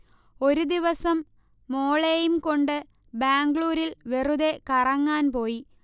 ഒരു ദിവസം മോളേയും കൊണ്ട് ബാംഗ്ലൂരിൽ വെറുതെ കറങ്ങാൻ പോയി